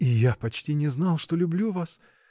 — И я почти не знал, что люблю вас.